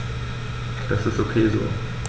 Das ist ok so.